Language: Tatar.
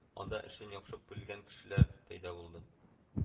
Анда эшен яхшы белгән кешеләр пәйда булды